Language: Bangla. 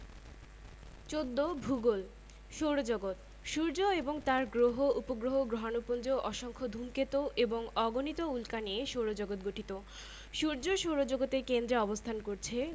দেশটির শতকরা ৮০ ভাগ লোক গ্রামে এবং ২০ ভাগ লোক শহরে বাস করেশতকরা ৭০ ভাগ লোক কৃষিজীবী প্রধান খাদ্যশস্যের মধ্যে ধান গম বার্লি যব কফি চা উল্লেখযোগ্য